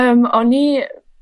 Yym o'n i